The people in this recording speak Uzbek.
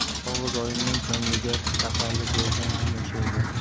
yolg'iz oyimning ko'ngliga tasalli bergan ham o'sha edi